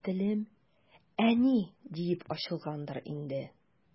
Телем «әни» дип ачылгангадыр инде.